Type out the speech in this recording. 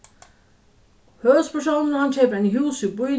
høvuðspersónurin hann keypir eini hús í býnum